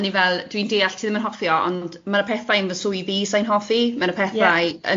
A o'n i fel dwi'n deall ti ddim yn hoffi o, ond ma'na pethau yn fy swydd i sa' i'n hoffi, ma'na pethau... Ie